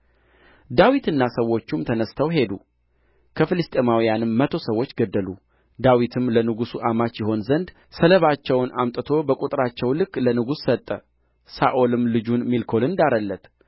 ዳዊትና ሰዎቹም ተነሥተው ሄዱ ከፍልስጥኤማውያንም መቶ ሰዎች ገደሉ ዳዊትም ለንጉሥ አማች ይሆን ዘንድ ሰለባቸውን አምጥቶ በቍጥራቸው ልክ ለንጉሡ ሰጠ ሳኦልም ልጁን ሜልኮልን ዳረለት